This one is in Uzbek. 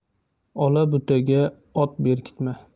ola butaga ot berkitma